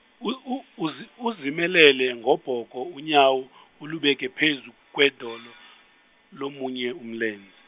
u- u- uz- uzimelele ngobhoko unyawo uzibeke phezulu kwedolo lomunye umlenze.